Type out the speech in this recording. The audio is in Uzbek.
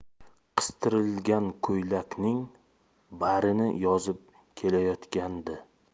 qistirilgan ko'ylagining barini yozib kelayotgandi